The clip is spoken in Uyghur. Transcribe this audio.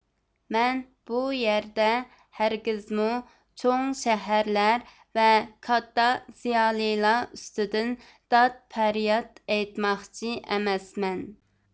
مەن بۇ يەردە ھەرگىزمۇ چوڭ شەھەرلەر ۋە كاتتا زىيالىيلار ئۈستىدىن داد پەرياد ئېيتماقچى ئەمەسمەن